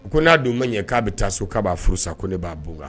Ko n'a dun ma ɲɛ k'a bɛ taa so k'a'a furu sa ko ne b'a bon kan